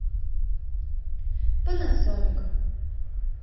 panasonic